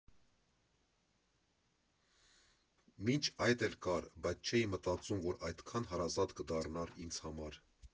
Մինչ այդ էլ կար, բայց չէի մտածում, որ այդքան հարազատ կդառնար ինձ համար։